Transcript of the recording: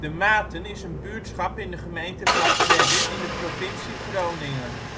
Maten is een buurtschap in de gemeente Vlagtwedde in de provincie Groningen